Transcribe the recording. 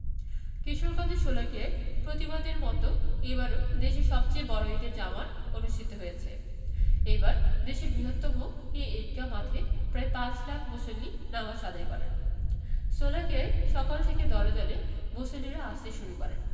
কিশোরগঞ্জের শোলাকিয়ায় প্রতিবাদের মতো এবারও দেশের সবচেয়ে বড় ঈদের জামাত অনুষ্ঠিত হয়েছে এবার দেশের বৃহত্তম এই ঈদগাহ মাঠে প্রায় পাঁচ লাখ মুসল্লি নামাজ আদায় করেন শোলাকিয়ায় সকাল থেকে দলে দলে মুসল্লিরা আসতে শুরু করেন